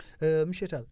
monsieur Tall